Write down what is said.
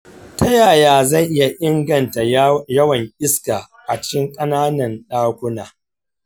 ta yaya zan iya inganta yawon iska a cikin ƙananan ɗakuna?